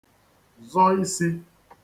zọ isī